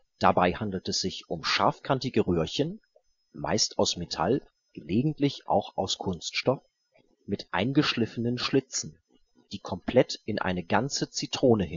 Dabei handelt es sich um scharfkantige Röhrchen, meist aus Metall, gelegentlich auch aus Kunststoff, mit eingeschliffenen Schlitzen, die komplett in eine ganze Zitrone